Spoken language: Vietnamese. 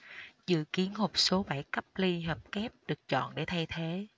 dự kiến hộp số bảy cấp ly hợp kép được chọn để thay thế